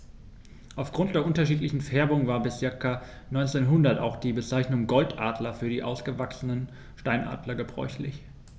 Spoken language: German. Auf Grund der unterschiedlichen Färbung war bis ca. 1900 auch die Bezeichnung Goldadler für ausgewachsene Steinadler gebräuchlich.